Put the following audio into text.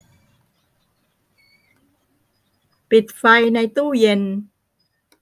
ปิดไฟในตู้เย็น